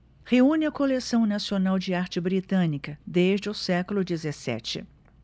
reúne a coleção nacional de arte britânica desde o século dezessete